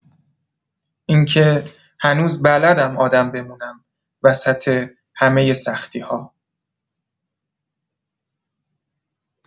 اینکه هنوز بلدم آدم بمونم، وسط همه سختی‌ها.